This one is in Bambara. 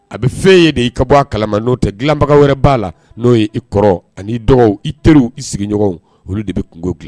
A bɛ fɛn ye de i ka bɔ a kalama n'o tɛ dilanbaga wɛrɛ b'a la n'o ye i kɔrɔ ani'i dɔgɔ i terir i sigiɲɔgɔn olu de bɛ kungole